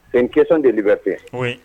Bɛnkisɛsan de de bɛ fɛ